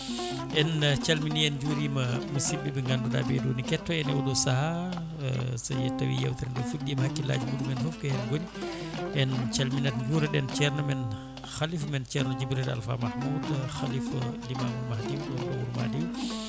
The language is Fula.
en calmini en juurima musibɓe ɓe ganduɗa ɓeeɗo ne ketto en e oɗo saaha so tawi yewtere nde fuɗɗima hakkillaji muɗum foof ko hen gooni en calminat juuroɗen ceerno men haalifa men ceerno Djibril Alpha Mahmoudou halifa diman mahib ɗo wuuro Madiw